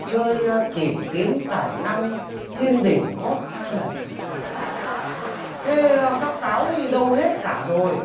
chơi tìm kiếm tài năng thiên đình gót thai lừn thế các táo đâu hết cả rồi